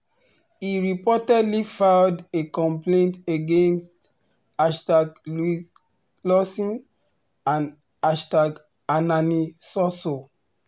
He reportedly filed a complaint against #LoicLawson and #AnaniSossou.